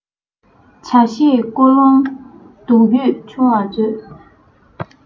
བྱ ཤེས ཀོ ལོང སྡུག ཡུས ཆུང བར མཛོད